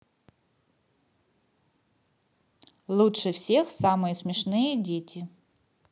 лучше всех самые смешные дети